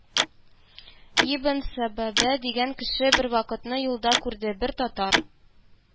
Ибн Сәбабә дигән кеше бервакытны юлда күрде: бер татар